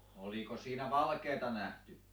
oliko siinä valkeaa nähty